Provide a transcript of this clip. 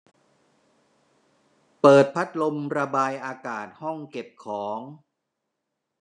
เปิดพัดลมระบายอากาศห้องเก็บของ